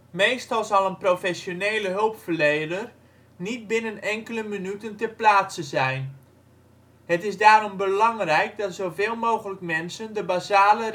Meestal zal een professionele hulpverlener niet binnen enkele minuten ter plaatse zijn. Het is daarom belangrijk dat zoveel mogelijk mensen de basale